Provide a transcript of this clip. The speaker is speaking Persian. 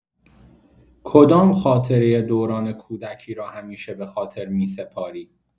کدام خاطره دوران کودکی را همیشه به‌خاطر می‌سپاری؟